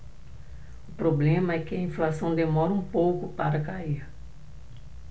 o problema é que a inflação demora um pouco para cair